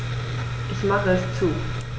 Ich mache es zu.